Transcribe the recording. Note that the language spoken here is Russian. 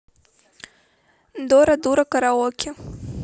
дора дура караоке